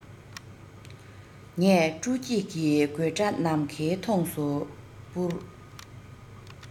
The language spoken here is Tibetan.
ངས སྤྲོ སྐྱིད ཀྱི དགོད སྒྲ ནམ མཁའི མཐོངས སུ སྤུར